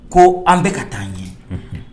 Ko an bɛka ka taa' an ɲɛ